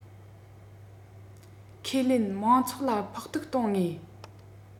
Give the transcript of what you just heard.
ཁས ལེན དམངས ཚོགས ལ ཕོག ཐུག གཏོང ངེས